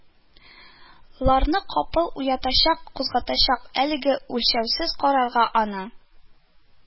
Ларны капыл уятачак, кузгатачак, әлеге үлчәүсез карарга, аны